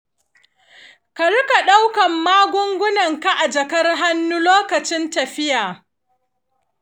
ka riƙa ɗaukar magungunanka a jakar hannu lokacin tafiya.